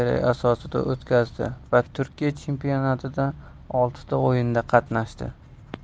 o'tkazdi va turkiya chempionatida oltita o'yinda qatnashdi